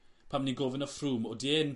pam ni'n gofyn â Froome odi e'n